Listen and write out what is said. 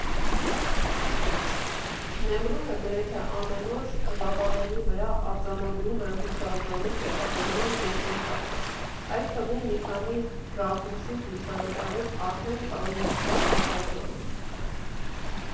Նեմրութը գրեթե ամեն օր ժապավենի վրա արձանագրում էր հուշարձանի տեղադրման գործընթացը, այդ թվում մի քանի ռակուրսից լուսանկարեց արդեն կանգնեցված հուշարձանը։